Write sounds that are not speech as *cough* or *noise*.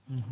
*hesitation* *hesitation*